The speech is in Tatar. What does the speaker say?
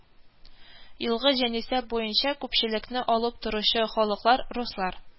Елгы җанисәп буенча күпчелекне алып торучы халыклар: руслар